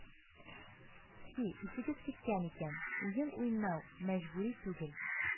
– һи, исегез киткән икән, уен уйнау мәҗбүри түгел